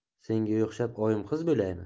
senga o'xshab oyimqiz bo'laymi